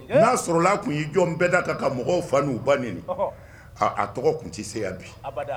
N'a sɔrɔlala tun y'i jɔn bɛɛ da ka mɔgɔw fa n'u ba ɲini a tɔgɔ tun tɛ se yan bi